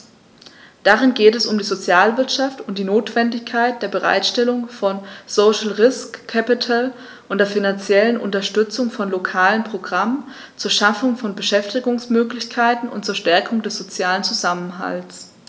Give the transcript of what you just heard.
Darin geht es um die Sozialwirtschaft und die Notwendigkeit der Bereitstellung von "social risk capital" und der finanziellen Unterstützung von lokalen Programmen zur Schaffung von Beschäftigungsmöglichkeiten und zur Stärkung des sozialen Zusammenhalts.